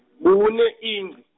kune, iNgci.